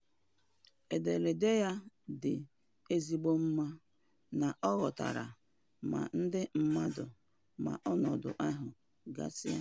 Ederede ya dị ezigbo mma na ọ ghọtara ma ndị mmadụ ma ọnọdụ ahụ gasị.